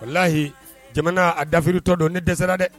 Lahi jamana a dafiurutɔ dɔn ne dɛsɛsera dɛ